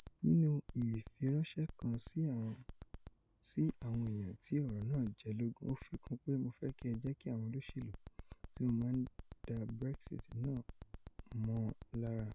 Nínú ìfiránṣẹ́ kan sí àwọn sí àwọn èèyàn tí ọ̀rọ̀ náà jẹ́ lógún, ó fi kun pé: 'Mo fẹ́ kí ẹ jẹ́kí àwọn olóṣèlú, tí wọ́n ma ń da Brexit, náà mọ̀ọ́ lára.